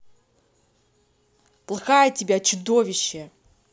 плохая тебя чудовище